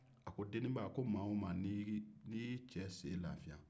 a ko deniba ko ma wo ma ni y'i cɛ sen lafiya